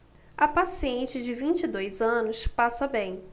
a paciente de vinte e dois anos passa bem